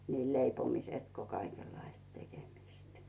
niin leipomista kuin kaikenlaista tekemistä